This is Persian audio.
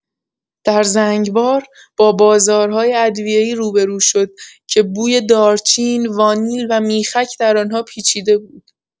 در زنگبار، با بازارهای ادویه‌ای روبه‌رو شد که بوی دارچین، وانیل و میخک در آن‌ها پیچیده بود.